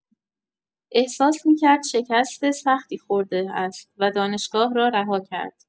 احساس می‌کرد شکست سختی خورده است و دانشگاه را رها کرد.